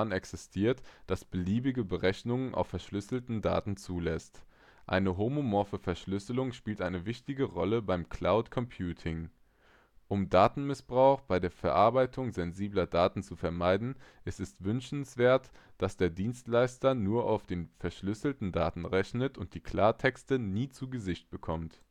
existiert, das beliebige Berechnungen auf verschlüsselten Daten zulässt. Eine homomorphe Verschlüsselung spielt eine wichtige Rolle beim Cloud-Computing. Um Datenmissbrauch bei der Verarbeitung sensibler Daten zu vermeiden, ist es wünschenswert, dass der Dienstleister nur auf den verschlüsselten Daten rechnet und die Klartexte nie zu Gesicht bekommt